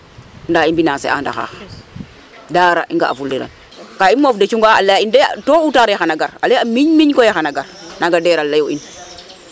Ndaa i mbinase'an naxa dara i nga'afuliran ka i mof de cunga a lay a in de tot ou tard xaye gar ale a miñ miñ koy xaya gar naaga DER a layu in.